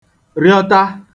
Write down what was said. rịọta